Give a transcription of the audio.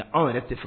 Aw yɛrɛ tɛ faga